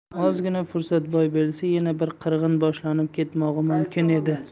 ozgina fursat boy berilsa yana bir qirg'in boshlanib ketmog'i mumkin edi